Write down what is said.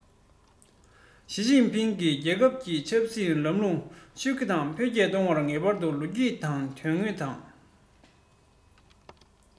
ཞིས ཅིན ཕིང གིས རྒྱལ ཁབ ཀྱི ཆབ སྲིད ལམ ལུགས ཇུས བཀོད དང འཕེལ རྒྱས གཏོང བར ངེས པར དུ ལོ རྒྱུས དང དོན དངོས དང